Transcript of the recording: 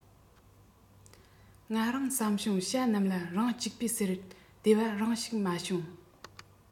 ང རང བསམ རུང བྱ རྣམས ལ རང གཅིག པོས ཟེར བདེ བ རང ཞིག མ བྱུང